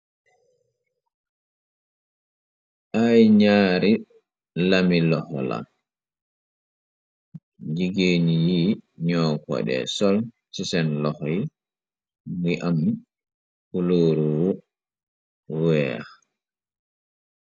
Ay ñaari lami loxo la jigéeni yi ñoo kode sol ci seen loxi mi am kulooruwu weex.